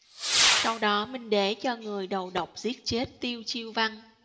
sau đó minh đế cho người đầu độc giết chết tiêu chiêu văn